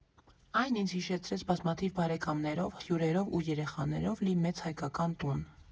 Այն ինձ հիշեցրեց բազմաթիվ բարեկամներով, հյուրերով ու երեխաներով լի մեծ հայկական տուն։